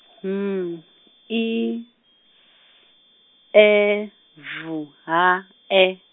N, I, F, E, V H E.